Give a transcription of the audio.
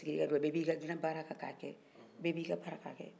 bɛɛ b'i ka dinɛ baara kan ka kɛ bɛɛ b'i ka baara kan ka kɛ